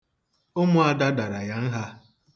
Ụmuạda dara ya nha.